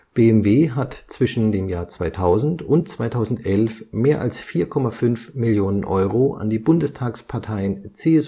BMW hat zwischen 2000 und 2011 mehr als 4,5 Millionen Euro an die Bundestagsparteien CSU/CDU